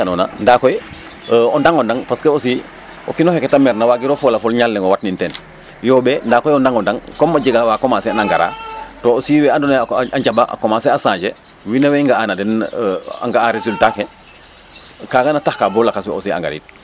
ne laytanoona ndaa koy o ndang o ndang parce que aussi o kiin xe ke t mer na waagiro fol a fol ñal leŋ bug o watnin teen yooɓee ndaa koy o ndang o ndang comme a jega wa commencer na ngaraa te aussi we andoona yee a njaɓa a commencer a changer win we owey ga'aa ne a nga'aa résultat ke kaaga na taxka bo lakas we aussi a ngariid